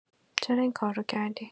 چرا این کار رو کردی؟